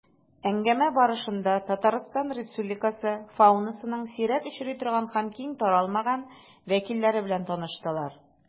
Әңгәмә барышында Татарстан Республикасы фаунасының сирәк очрый торган һәм киң таралмаган вәкилләре белән таныштылар.